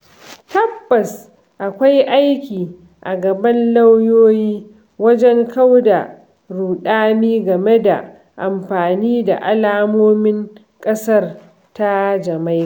Tabbas akwai aiki a gaban lauyoyi wajen kau da ruɗani game da amfani da alamomin ƙasar ta Jamaika.